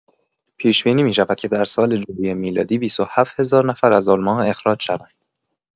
پیش‌بینی می‌شود که در سال جاری میلادی ۲۷ هزار نفر از آلمان اخراج شوند.